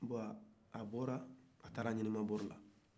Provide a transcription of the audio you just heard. bon a bɔra a tara